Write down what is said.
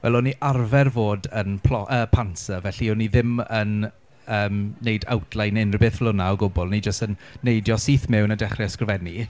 Wel o'n ni'n arfer fod yn plo- uh pantser felly o'n i ddim yn yym wneud outline neu unrhyw beth fel hwnna o gwbl. O'n ni jyst yn neidio syth mewn a dechrau ysgrifennu.